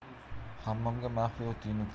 hammomga maxfiy tuynuklar